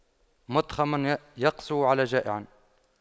مُتْخَمٌ يقسو على جائع